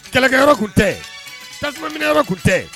Kɛlɛkɛ yɔrɔ kun tɛ, tasumamɛnɛ yɔrɔ kun tɛ.